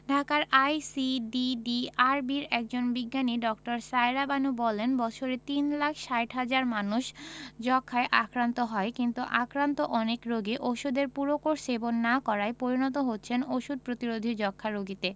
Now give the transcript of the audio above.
ঢাকায় আইসিডিডিআরবির একজন বিজ্ঞানী ড. সায়েরা বানু বলেন বছরে তিন লাখ ৬০ হাজার মানুষ যক্ষ্মায় আক্রান্ত হয় কিন্তু আক্রান্ত অনেক রোগী ওষুধের পুরো কোর্স সেবন না করায় পরিণত হচ্ছেন ওষুধ প্রতিরোধী যক্ষ্মা রোগীতে